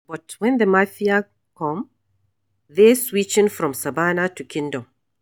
But when the mafia come, they switching from "Savannah" to ‘Kingdom’